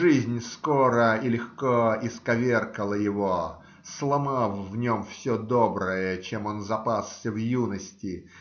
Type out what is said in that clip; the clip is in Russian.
Жизнь скоро и легко исковеркала его, сломав в нем все доброе, чем он запасся в юности